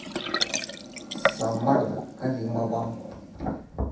самара каримова